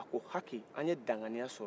a ko hake an ye danganiya sɔrɔ